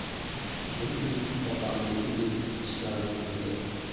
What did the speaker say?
bu uy opamniki deb ichkari kirdi